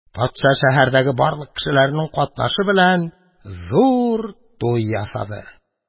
Патша шәһәрдәге барлык кешеләрнең катнашы белән зур туй ясады.